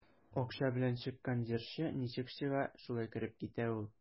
Акча белән чыккан җырчы ничек чыга, шулай кереп китә ул.